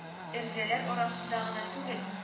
Эрзәләр арасында гына түгел